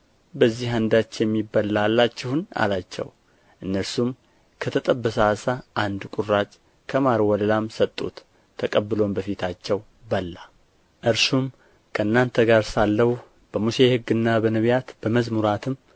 በዚህ አንዳች የሚበላ አላችሁን አላቸው እነርሱም ከተጠበሰ ዓሣ አንድ ቁራጭ ከማር ወለላም ሰጡት ተቀብሎም በፊታቸው በላ እርሱም ከእናንተ ጋር ሳለሁ በሙሴ ሕግና በነቢያት በመዝሙራትም